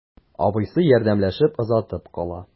Абыйсы ярдәмләшеп озатып кала.